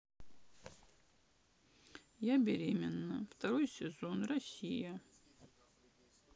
я беременна второй сезон россия